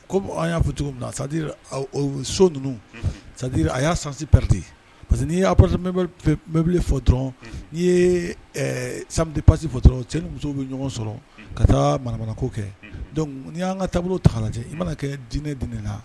Ko an y'a fɔ cogo min na sadiri so ninnu sadiri a y'a sansiprete parce que n'p bɛbele fɔ dɔrɔn n'i ye sanu pasi fɔ dɔrɔn cɛmuso bɛ ɲɔgɔn sɔrɔ ka taa maramana ko kɛ dɔnkuc n'i y'an ka taabolo ta lajɛ i mana kɛ diinɛ de ne na